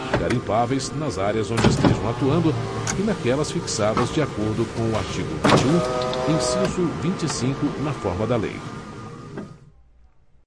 garimpáveis nas áreas onde estejam atuando e naquelas fixadas de acordo com o artigo vinte e um inciso vinte e cinco na forma da lei